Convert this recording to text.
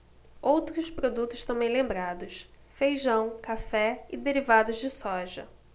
outros produtos também lembrados feijão café e derivados de soja